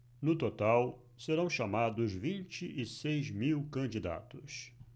no total serão chamados vinte e seis mil candidatos